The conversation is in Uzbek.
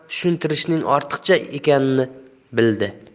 tushuntirishning ortiqcha ekanini bildi